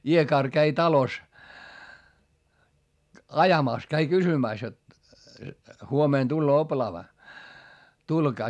iekari kävi talossa ajamassa kävi kysymässä jotta huomenna tulee oplaava tulkaa